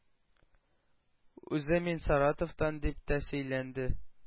Үзе: “Мин Саратовтан”, – дип тә сөйләнде.